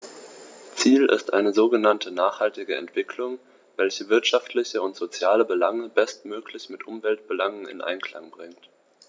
Ziel ist eine sogenannte nachhaltige Entwicklung, welche wirtschaftliche und soziale Belange bestmöglich mit Umweltbelangen in Einklang bringt.